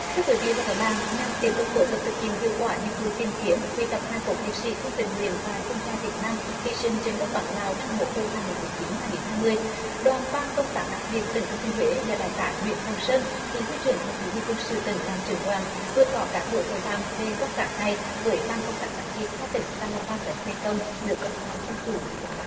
thưa quý vị và các bang nhằm tiếp tục phối hợp thực hiện hiệu quả nhiệm vụ tìm kiếm quy tập hài cốt liệt sỹ quân tình nguyện và chuyên gia việt nam hy sinh trên đất bạn lào trong mùa khô hai nghìn mười chín hai nghìn hai mươi đoàn ban công tác đặc biệt tỉnh thừa thiên huế do đại tá nguyễn hồng sơn chỉ huy trưởng bộ chỉ huy quân sự tỉnh làm trưởng đoàn vừa có các buổi hội đàm về công tác này với ban công tác đặc biệt hai tỉnh sa la van và sê công nước cộng hòa dân chủ nhân dân lào